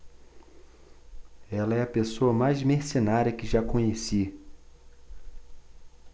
ela é a pessoa mais mercenária que já conheci